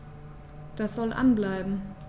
Das soll an bleiben.